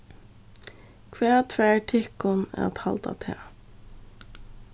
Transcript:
hvat fær tykkum at halda tað